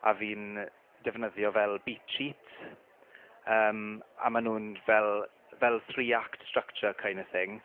A fi'n defnyddio fel beat sheet yym a maen nhw'n fel fel three act structure kind of thing.